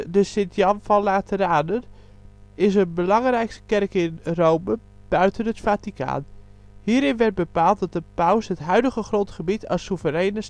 de Sint-Jan van Lateranen is een belangrijke kerk in Rome, buiten het Vaticaan). Hierin werd bepaald dat de paus het huidige grondgebied als souvereine